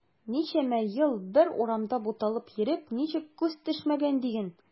Ничәмә ел бер урамда буталып йөреп ничек күз төшмәгән диген.